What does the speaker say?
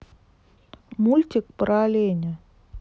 мультик про оленя